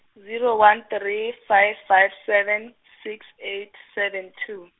zero one three, five five seven, six eight, seven two.